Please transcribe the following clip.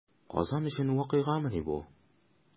Казан өчен вакыйгамыни бу?